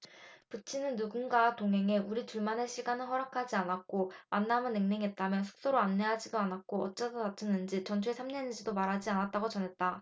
부친은 누군가 동행해 우리 둘만의 시간을 허락하지 않았고 만남은 냉랭했다며 숙소로 안내하지도 않았고 어쩌다 다쳤는지 전투에 참여했는지도 말하지 않았다고 전했다